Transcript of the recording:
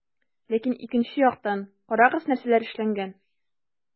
Ләкин икенче яктан - карагыз, нәрсәләр эшләнгән.